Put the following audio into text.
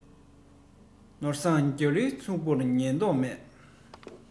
ནོར བཟང རྒྱ ལུའི བཙུན མོར ཉན མདོག མེད